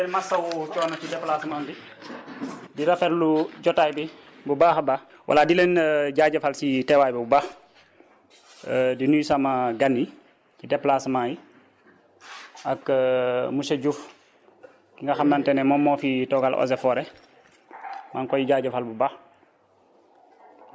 di leen masawu coono ci déplacement bi di rafetlu jotaay bi bu baax a baax voilà di leen jaajëfal ci teewaay bi bu baax di nuyu sama gan yi ci déplacement bi ak monsieur Diouf nga xamante ne moom moo fi teewal eaux et forêt maa ngi koy jaajëfal bu baax